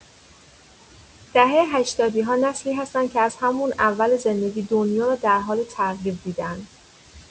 دهه‌هشتادی‌ها نسلی هستن که از همون اول زندگی، دنیا رو در حال تغییر دیدن.